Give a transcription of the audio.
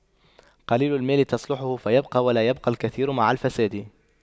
قليل المال تصلحه فيبقى ولا يبقى الكثير مع الفساد